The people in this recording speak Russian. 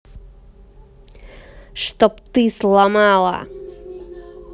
что бы сломала